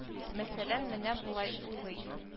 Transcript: Мәсәлән, менә болай уйлый: